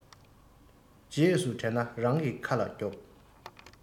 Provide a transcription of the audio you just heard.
རྗེས སུ དྲན ན རང གི ཁ ལ རྒྱོབ